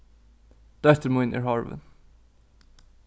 dóttir mín er horvin